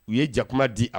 U ye jakuma di a